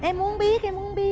em muốn biết em muốn biết